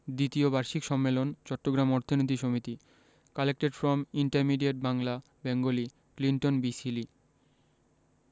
দ্বিতীয় বার্ষিক সম্মেলন চট্টগ্রাম অর্থনীতি সমিতি collected from intermediate Bangla Bengali Clinton B Seely